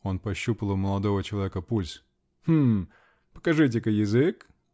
-- Он пощупал у молодого человека пульс. -- Гм! Покажите-ка язык!